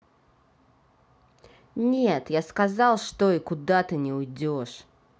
нет я сказал что и куда ты не уйдешь